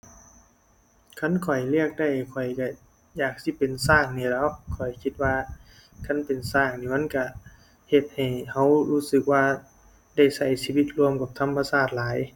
คันข้อยเลือกได้ ข้อยก็อยากสิเป็นก็นี้แหล้ว ข้อยคิดว่าคันเป็นก็นี้มันก็ เฮ็ดให้ก็รู้สึกว่า ได้ก็ชีวิตร่วมกับธรรมชาติหลาย